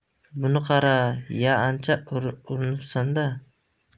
buni qara ya ancha urinibsan da a